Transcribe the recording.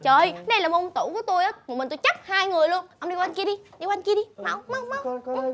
trời ơi này là môn tủ của tôi á một mình tôi chấp hai người luôn ông đi qua kia đi đi qua kia đi mau mau mau